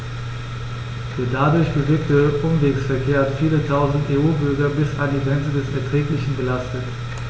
Der dadurch bewirkte Umwegsverkehr hat viele Tausend EU-Bürger bis an die Grenze des Erträglichen belastet.